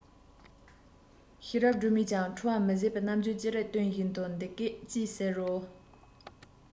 ཤེས རབ སྒྲོལ མས ཀྱང ཁྲོ བ མི ཟད པའི རྣམ འགྱུར ཅི རིགས སྟོན བཞིན དུ འདི སྐད ཅེས ཟེར རོ